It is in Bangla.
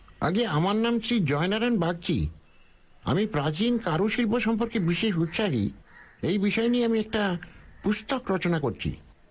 আজ্ঞে আমার নাম শ্ৰীজয়নারায়ণ বাগচি আমি প্রাচীন কারুশিল্প সম্পর্কে বিশেষ উৎসাহী এই বিষয় নিয়ে আমি একটি পুস্তক রচনা করচি